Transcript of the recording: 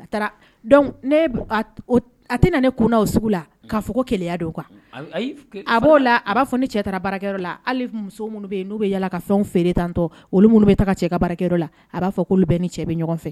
A taara a tɛ na ne kunaw sugu la'a fɔ ko kɛlɛya dɔw kan a b'o la a b'a fɔ ne cɛ bara la hali muso minnu bɛ yen n'u bɛ yalala ka fɛn feere tan tɔ olu minnu bɛ taa cɛ bara la a b'a fɔ oluolu bɛ ni cɛ bɛ ɲɔgɔn fɛ